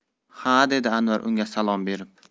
ha dedi anvar unga salom berib